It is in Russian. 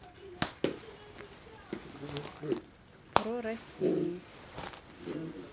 про растений